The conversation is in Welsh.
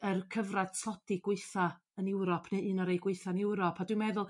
yr cyfradd tlodi gwaetha' yn Ewrop ne' un o'r rei gwaetha'n Ewrop a dwi'n meddwl